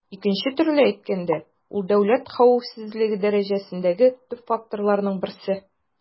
Икенче төрле әйткәндә, ул дәүләт хәвефсезлеге дәрәҗәсендәге төп факторларның берсе.